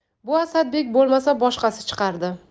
bu asadbek bo'lmasa boshqasi chiqardi